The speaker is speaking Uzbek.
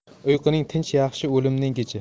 uyquning tinchi yaxshi o'limning kechi